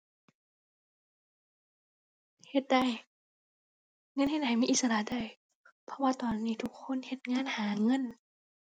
เฮ็ดได้ เงินเฮ็ดให้มีอิสระได้ เพราะว่าตอนนี้ทุกคนเฮ็ดงานหาเงิน